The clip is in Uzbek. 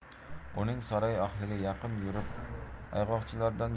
uning saroy ahliga yaqin yurib ayg'oqchilardan